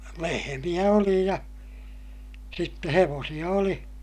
lehmiä oli ja sitten hevosia oli